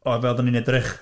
O, fel oedden ni'n edrych...